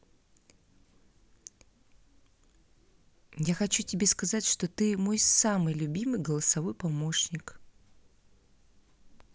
я хочу тебе сказать что ты мой самый любимый голосовой помощник